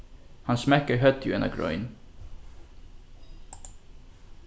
hann smekkaði høvdið í eina grein